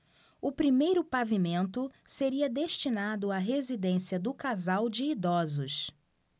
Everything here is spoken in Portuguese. o primeiro pavimento seria destinado à residência do casal de idosos